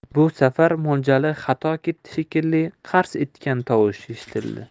bu safar mo'ljali xato ketdi shekilli qars etgan tovush eshitildi